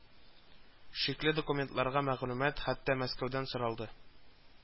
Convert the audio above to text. Шикле документларга мәгълүмат хәтта Мәскәүдән соралды